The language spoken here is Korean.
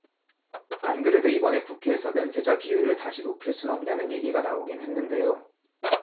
안 그래도 이번에 국회에서 면세자 비율을 다시 높일 순 없냐는 얘기가 나오긴 했는데요